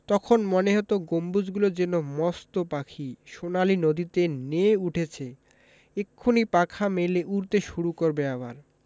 তখন মনে হতো গম্বুজগুলো যেন মস্ত পাখি সোনালি নদীতে নেয়ে উঠেছে এক্ষুনি পাখা মেলে উড়তে শুরু করবে আবার